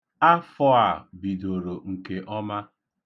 Afọ a bidoro nke ọma.